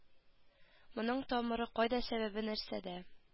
Моның тамыры кайда сәбәбе нәрсәдә